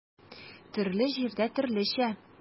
Төрле җирдә төрлечә.